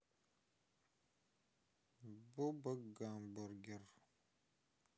буба гамбургер